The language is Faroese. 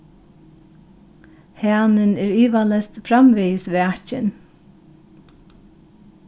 hanin er ivaleyst framvegis vakin